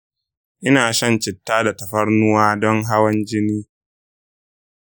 ina shan citta da tafarnuwa don hawan jini.